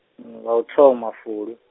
ḽa u thoma fulwi.